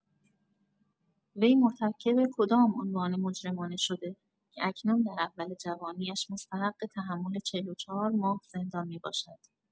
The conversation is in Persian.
وی مرتکب کدام عنوان مجرمانه شده که اکنون در اول جوانی‌اش مستحق تحمل ۴۴ ماه زندان می‌باشد؟